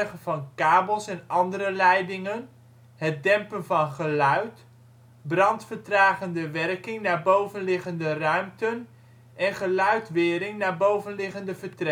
van kabels en andere leidingen; het dempen van geluid; brandvertragende werking naar bovenliggende ruimten; geluidwering naar bovenliggende vertrekken